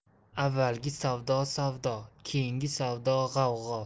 avvalgi savdo savdo keyingi savdo g'avg'o